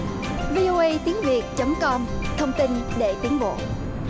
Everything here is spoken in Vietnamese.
vi âu ây tiếng việt chấm com thông tin để tiến bộ